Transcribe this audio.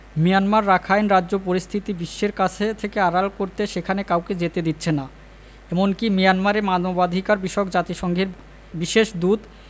Myanmar Rakhine রাজ্য পরিস্থিতি বিশ্বের কাছ থেকে আড়াল করতে সেখানে কাউকে যেতে দিচ্ছে না এমনকি মিয়ানমারে মানবাধিকারবিষয়ক জাতিসংঘের বিশেষ দূত